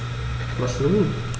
Was nun?